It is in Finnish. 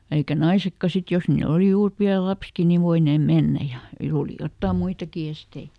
eikä naisetkaan sitten jos niillä oli juuri pieni lapsikin niin voineet mennä ja oli jotakin muitakin esteitä